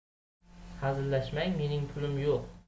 hazillashmang mening pulim yo'q